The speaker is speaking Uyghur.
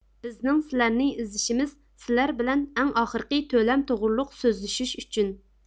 بىزنىڭ سىلەرنى ئىزدىشىمىز سىلەر بىلەن ئەڭ ئاخىرقى تۆلەم توغرۇلۇق سۆزلىشىش ئۈچۈن